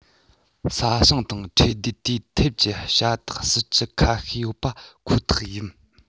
ས ཞིང དང ཁྲལ བསྡུ དེའི ཐད ཀྱི བྱ དགའི སྲིད ཇུས ཁ ཤས ཡོད པ ཁོ ཐག ཡིན